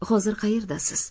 hozir qayerdasiz